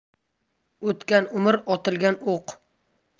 o'tgan umr otilgan o'q